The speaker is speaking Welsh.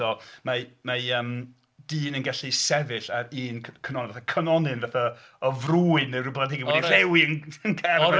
So mae... mae yym dyn yn gallu sefyll ar un cynonyn. Cynonyn fatha, o frŵyn, neu ryw blanhigyn wedi rhewi .